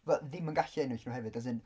B- ddim yn gallu ennill oherwydd as in...